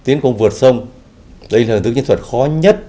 tiến công vượt sông đây là thứ kỹ thuật khó nhất